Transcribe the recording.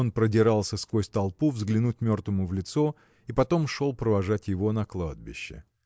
он продирался сквозь толпу взглянуть мертвому в лицо и потом шел провожать его на кладбище.